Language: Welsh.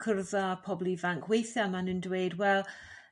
cwrdd a pobl ifanc weithia' 'ma' n'w'n dweud wel